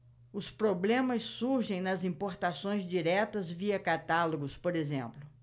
os problemas surgem nas importações diretas via catálogos por exemplo